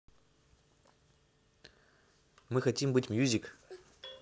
мы хотим быть music